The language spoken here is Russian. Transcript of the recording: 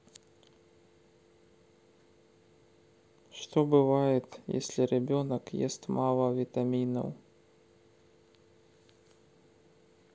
что бывает если ребенок ест мало витаминов